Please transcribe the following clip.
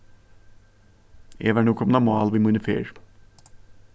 eg var nú komin á mál við míni ferð